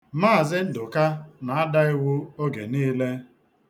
Maazị Ndụka na-ada iwu oge niile.